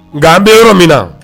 Nka an bɛ yɔrɔ min na